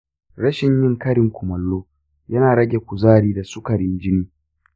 rashin yin karin kumallo yana rage kuzari da sukarin jini.